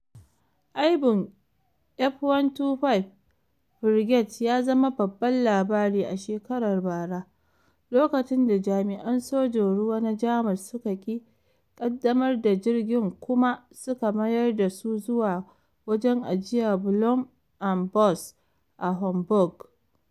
Aibun F125 Frigate ya zama babban labari a shekarar bara, lokacin da jami’an sojin ruwa na Jamus suka ki kaddamar da jirgin kuma suka mayar da su zuwa wajen ajiyar Blohm & Voss a Hamburg.